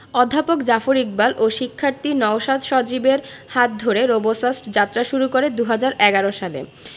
অধ্যাপক জাফর ইকবাল ও শিক্ষার্থী নওশাদ সজীবের হাত ধরে রোবোসাস্ট যাত্রা শুরু করে ২০১১ সালে